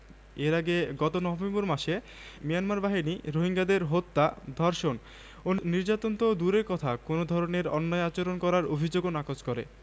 এর আগে গত নভেম্বর মাসে মিয়ানমার বাহিনী রোহিঙ্গাদের হত্যা ধর্ষণ নির্যাতন তো দূরের কথা কোনো ধরনের অন্যায় আচরণ করার অভিযোগও নাকচ করে